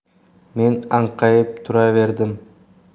men anqayib turaverdim